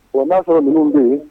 Bon n'a y'a sɔrɔ ninnu bɛ yen